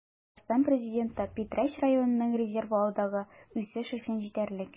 Татарстан Президенты: Питрәч районының резервы алдагы үсеш өчен җитәрлек